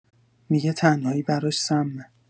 می‌گه تنهایی براش سمه.